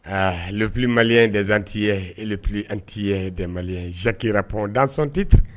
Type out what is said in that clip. Aa le plus malien des antillais et le antillais des maliens Jacqui Rapon dans son titre